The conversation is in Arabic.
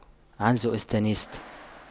عنز استتيست